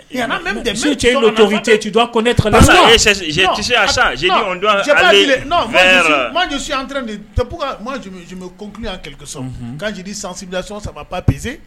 si tu as eu l'autorité tu dois connaitre non j'ai touché à ça non j'ai dit on doit aller non vers moi je suis entrain de c'est pourquoi moi je me je me conclus en quelques sommes unhun quand je dis sensibilisation ça va pas peser